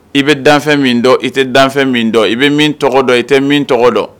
I bɛ danfɛn min dɔn i tɛ danfɛn min i bɛ min tɔgɔ dɔn i tɛ min tɔgɔ dɔn